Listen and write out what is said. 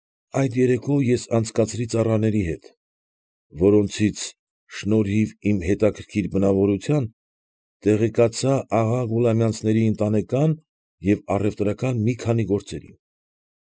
Այդ երեկո ես անցկացրի ծառաների հետ, որոնցից, շնորհիվ իմ հետաքրքիր բնավորության, տեղեկացա աղա Գուլամյանցների ընտանեկան և առևտրական մի քանի գործերին։